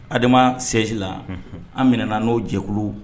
Adama adama sɛji la an minɛ n'o jɛkulu